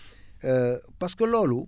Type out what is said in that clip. parce que loolu